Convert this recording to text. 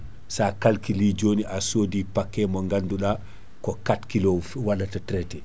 sa calcule li joni a soodi paquet mo ganduɗa ko 4 kilos few waɗata traité